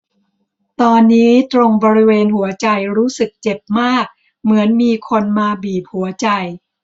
ตอนนี้ตรงบริเวณหัวใจรู้สึกเจ็บมากเหมือนมีคนมาบีบหัวใจ